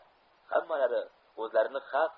hammalari o'zlarini haq